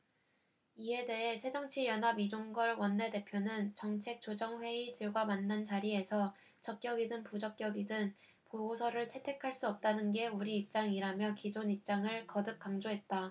이에 대해 새정치연합 이종걸 원내대표는 정책조정회의 들과 만난 자리에서 적격이든 부적격이든 보고서를 채택할 수 없다는 게 우리 입장이라며 기존 입장을 거듭 강조했다